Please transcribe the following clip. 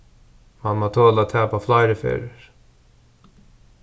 mann má tola at tapa fleiri ferðir